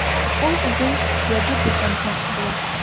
Ул үзен Вәдүт дип танытмакчы була.